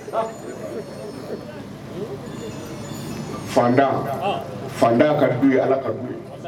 Tan fantan ka du ye ala kabu ye